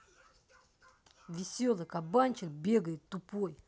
веселый кабанчик бегает тупой